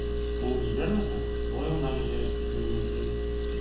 Куып җибәрмәсәң, болай гына ияреп китүем мөмкин...